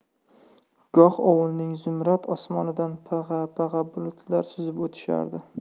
goh ovulning zumrad osmonidan pag'a pag'a bulutlar suzib o'tishardi